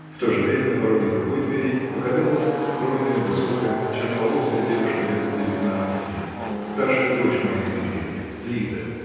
в то же время на пороге другой двери показалась стройная, высокая, черноволосая девушка лет девятнадцати -- старшая дочь Марьи Дмитриевны, Лиза.